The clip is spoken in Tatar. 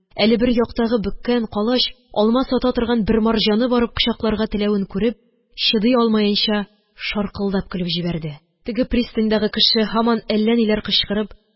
Әле бер яктагы бөккән, калач, алма сата торган бер марҗаны барып кочакларга теләвен күреп, чыдый алмаенча шаркылдап көлеп җибәрде. теге пристаньдагы кеше һаман әллә ниләр кычкырып,